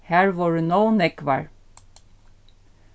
har vóru nóg nógvar